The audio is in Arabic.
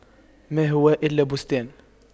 ما هو إلا بستان